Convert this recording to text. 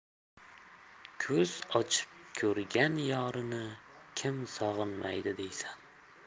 ko'z ochib ko'rgan yorini kim sog'inmaydi deysan